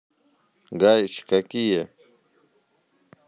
гайч какие